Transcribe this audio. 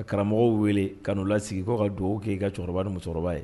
Ka karamɔgɔw wele ka la sigi kɔ ka dugawu k'i ka cɛkɔrɔba ni musokɔrɔba ye